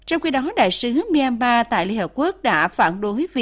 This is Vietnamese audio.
trong khi đó đại sứ mi an ma tại liên hiệp quốc đã phản đối việc